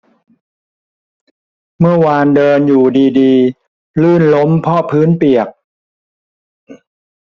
เมื่อวานเดินอยู่ดีดีลื่นล้มเพราะพื้นเปียก